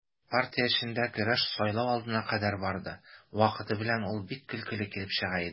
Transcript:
Партия эчендә көрәш сайлау алдына кадәр барды, вакыты белән ул бик көлкеле килеп чыга иде.